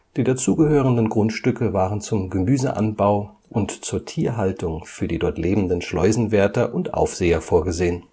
Die dazugehörenden Grundstücke waren zum Gemüseanbau und zur Tierhaltung für die dort lebenden Schleusenwärter und Aufseher vorgesehen